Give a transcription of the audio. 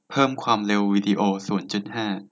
เพิ่มความเร็ววีดีโอศูนย์จุดห้า